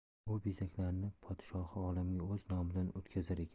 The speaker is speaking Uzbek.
u bezaklarni podshohi olamga o'z nomidan o'tkazar ekan